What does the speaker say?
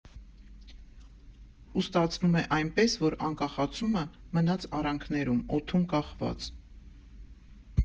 Ու ստացվում է այնպես, որ Անկախացումը մնաց արանքներում, օդում կախված։